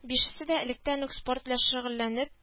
Бишесе дә электән үк спорт белән шогылләнеп